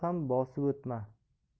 ham bosib o'tma